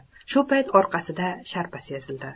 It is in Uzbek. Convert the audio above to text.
shu payt orqasida sharpa sezildi